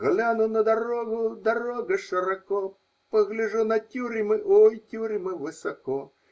Гляну на дорогу -- дорога широко, Погляжу на тюрьмы -- ой, тюрьмы высоко.